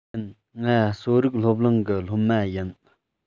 ཡིན ང གསོ རིག སློབ གླིང གི སློབ མ ཡིན